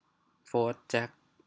โฟธแจ็ค